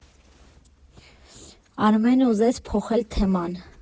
Արմինեն ուզեց փոխել թեման.